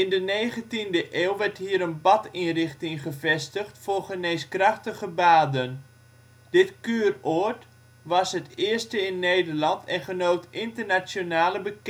de negentiende eeuw werd hier een badinrichting gevestigd voor geneeskrachtige baden. Dit kuuroord was het eerste in Nederland en genoot internationale